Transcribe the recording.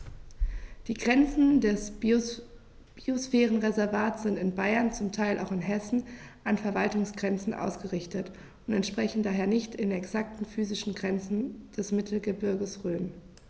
Die Grenzen des Biosphärenreservates sind in Bayern, zum Teil auch in Hessen, an Verwaltungsgrenzen ausgerichtet und entsprechen daher nicht exakten physischen Grenzen des Mittelgebirges Rhön.